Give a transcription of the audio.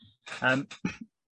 yym